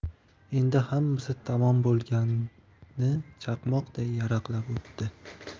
endi hammasi tamom bo'lgani chaqmoqday yaraqlab o'tdi